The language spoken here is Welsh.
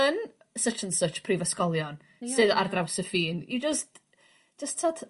yn such and such prifysgolion... Ia. ...sydd ar draws y ffin you just jys t'od?